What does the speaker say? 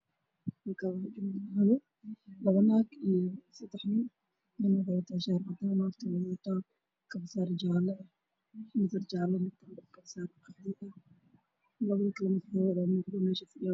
Waa meel ay iskugu imaden niman iyo naga waxa uu wataa ninka usoo horeeyo shaati caddaalad